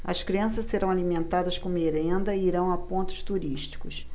as crianças serão alimentadas com merenda e irão a pontos turísticos